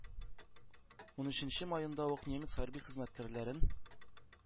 Унөченче маенда ук немец хәрби хезмәткәрләрен